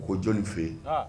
A ko jɔnni fɛ yen